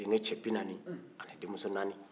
denkɛ cɛ bi naani ani denmuso naani